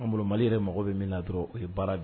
Anw bolo Mali yɛrɛ mago bɛ min na dɔrɔnw o ye baara de ye.